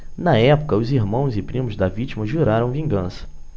na época os irmãos e primos da vítima juraram vingança